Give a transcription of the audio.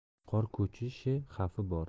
qor ko'chishi xavfi bor